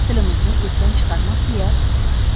tilimizni esdan chiqarmabdi ya